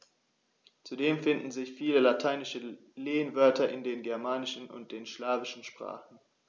Zudem finden sich viele lateinische Lehnwörter in den germanischen und den slawischen Sprachen.